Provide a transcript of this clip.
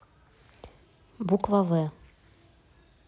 буква вэ